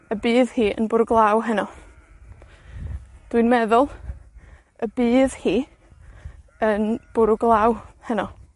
y bydd hi yn bwrw glaw heno. Dwi'n meddwl y bydd hi yn bwrw glaw heno.